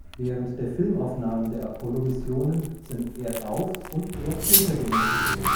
Während der Filmaufnahmen der Apollo-Missionen sind Erdauf - und Erduntergänge zu sehen